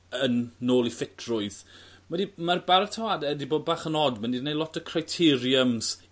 yn nôl i ffitrwydd. Ma' 'di ma'r baratoade 'di bod bach yn od ma'n 'di neud lot o criteriums